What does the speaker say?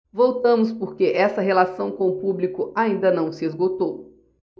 voltamos porque essa relação com o público ainda não se esgotou